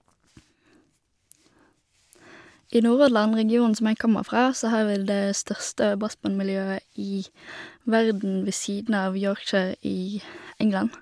I Nordhordland, regionen som jeg kommer fra, så har vi det største brassbandmiljøet i verden ved siden av Yorkshire i England.